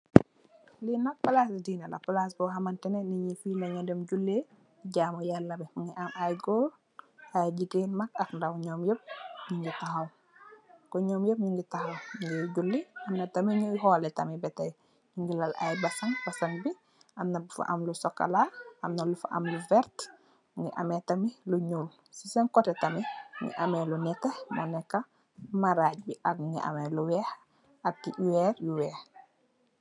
Lii nak plassi dineh la, plass bor hamanteh neh nitt njii fi leh njur dem juleh jaamor Yallah bii, mungy am aiiy gorre, aiiy gigain, mak ak ndaw, njom yehp njungy takhaw, kor njom njehp njungy takhaw, njungeh juli, amna tamit njui holeh tamit beh teii, njungy lal aiiy basan, basan bii amna bufa am lu chocolat, amna lufa am lu vert, mungy ameh tamit lu njull, cii sehn coteh tamit mungy ameh lu nehteh, moneka marajj bii, ak mungy ameh lu wekh, ak wehrre bu wekh.